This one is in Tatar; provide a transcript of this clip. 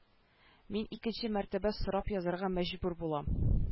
Мин икенче мәртәбә сорап язарга мәҗбүр булам